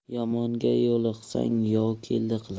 yomonga yo'liqsang yov keldi qilar